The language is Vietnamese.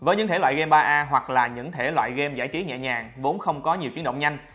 với những thể loại game aaa hoặc game giải trí nhẹ nhàng vốn không có nhiều chuyển động nhanh